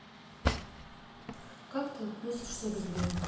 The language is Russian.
как ты относишься к сберу